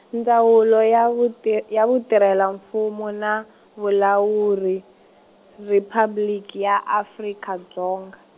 Ndzawulo ya Vuti-, ya Vutirhela-Mfumo na Vulawuri, Riphabliki ya Afrika Dzonga.